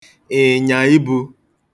̀ị̀ị̀nyà ibū